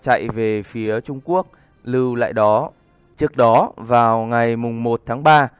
chạy về phía trung quốc lưu lại đó trước đó vào ngày mùng một tháng ba